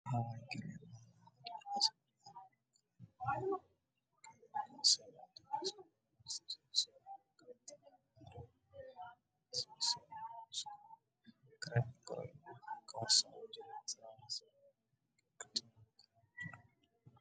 Waa cagad midabkoodu yahay pinki